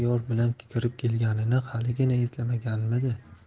yor bilan kirib kelganini haligina eslamaganmidi